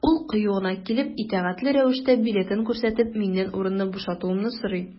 Ул кыю гына килеп, итәгатьле рәвештә билетын күрсәтеп, миннән урынны бушатуымны сорый.